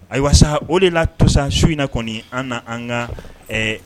Ayiwa o de la tosa su in na kɔni an na an ka